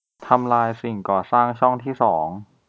ทำลายสิ่งก่อสร้างช่องที่สอง